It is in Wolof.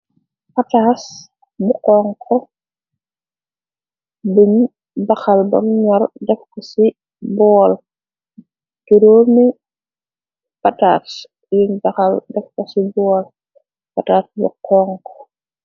Patas bu xonko biñ baxal ba ñor def ko ci bool turóomi patars yin baxal def ko ci bool patas bu xonko.